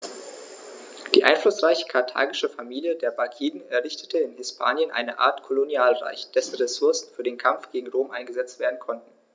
Die einflussreiche karthagische Familie der Barkiden errichtete in Hispanien eine Art Kolonialreich, dessen Ressourcen für den Kampf gegen Rom eingesetzt werden konnten.